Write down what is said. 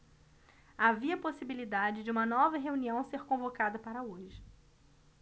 havia possibilidade de uma nova reunião ser convocada para hoje